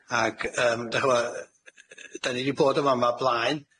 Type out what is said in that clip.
ag yym dach ch'mo', yy 'dan ni 'di bod yn fa'ma o blaen.